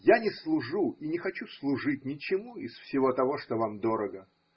Я не служу и не хочу служить ничему из всего того, что вам дорого.